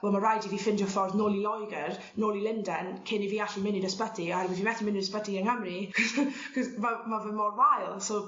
wel ma' raid i fi ffindio ffordd nôl i Loegyr nôl i Lunden cyn i fi allu myn' i'r ysbyty a fi methu mynd i'r sbyty yng Nghymru 'c'os 'c'os fel ma' fe mor wael so